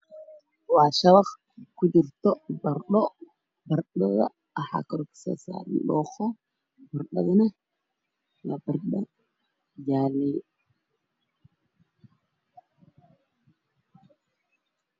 Waa shabaq ku jirto baradho baradhada waxa kor ka saarsaaran dhooqo baradhadana waa baradho jaale